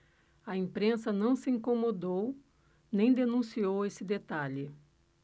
a imprensa não se incomodou nem denunciou esse detalhe